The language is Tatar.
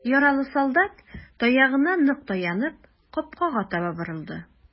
Яралы солдат, таягына нык таянып, капкага таба борылды.